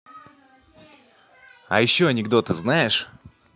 а еще анекдоты знаешь